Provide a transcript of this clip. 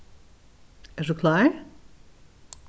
ert tú klár